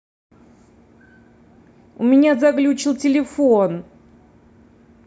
у меня заглючил телевизор